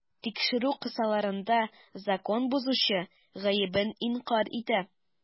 Тикшерү кысаларында закон бозучы гаебен инкарь итә.